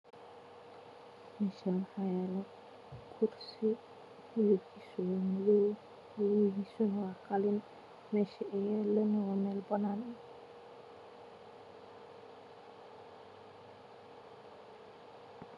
Meeshaani waxaa yaalo kuria madow waa qalin meesh auu yaalana waa meel banaan